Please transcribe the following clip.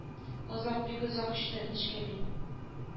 Озак бик озак очты нечкәбил